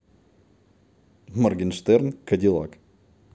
morgenshtern cadillac